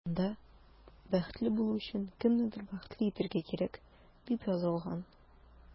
Анда “Бәхетле булу өчен кемнедер бәхетле итәргә кирәк”, дип язылган.